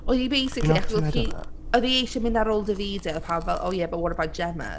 Oedd hi basically... ... Oedd hi eisiau mynd ar ôl Davide a oedd pawb fel "Oh yeah, but what about Gemma?"